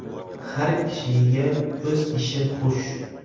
har kishiga o'z ishi xush